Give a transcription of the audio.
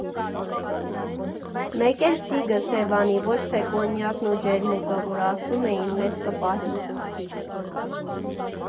Մեկ էլ սիգը Սևանի, ոչ թե կոնյակն ու ջերմուկը, որ ասում էին՝ մեզ կպահի։